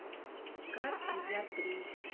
гадкий я три